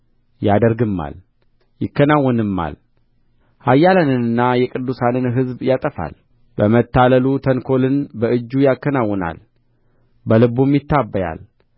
ያደርግማል ይከናወንማል ኃያላንንና የቅዱሳንን ሕዝብ ያጠፋል በመታለሉ ተንኰልን በእጁ ያከናውናል በልቡም ይታበያል